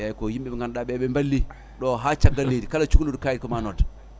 eyyi ko yimɓe ɓe gandaɗa ɓe ɓe balli ɗo ha caggal leydi kala cohluɗo kayit ko ma nodda